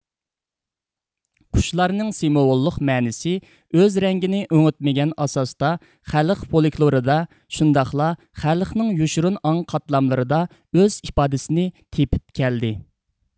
قۇشلارنىڭ سىمۋۇللۇق مەنىسى ئۆز رەڭگىنى ئۆڭۈتمىگەن ئاساستا خەلق فولىكلۇرىدا شۇنداقلا خەلقنىڭ يوشۇرۇن ئاڭ قاتلاملىرىدا ئۆز ئىپادىسىنى تېپىپ كەلدى